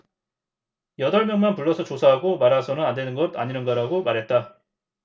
여덟 명만 불러서 조사하고 말아서는 안되는 것 아닌가라고 말했다